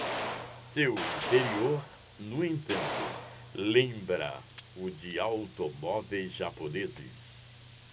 seu interior no entanto lembra o de automóveis japoneses